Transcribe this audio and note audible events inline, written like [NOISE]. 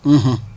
[HESITATION] [HESITATION]